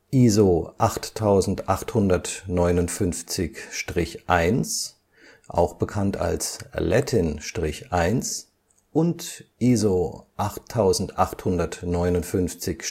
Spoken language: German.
ISO 8859-1 (auch bekannt als Latin-1) und ISO 8859-15